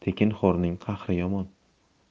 tekinxo'rning qahri yomon